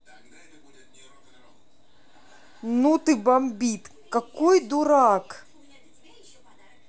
ну ты бомбит какой дурак